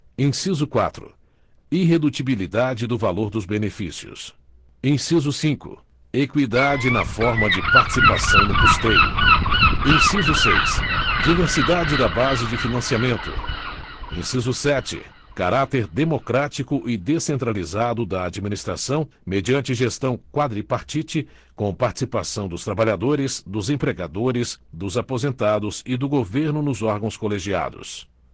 inciso quatro irredutibilidade do valor dos benefícios inciso cinco eqüidade na forma de participação no custeio inciso seis diversidade da base de financiamento inciso sete caráter democrático e descentralizado da administração mediante gestão quadripartite com participação dos trabalhadores dos empregadores dos aposentados e do governo nos órgãos colegiados